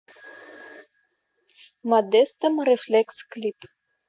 модестом рефлекс клип